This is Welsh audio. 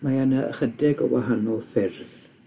Mae yna ychydig o wahanol ffyrdd